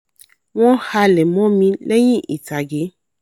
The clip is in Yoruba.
Wọ́n halẹ̀ mọ́ mi lẹ́yìn ìtàge.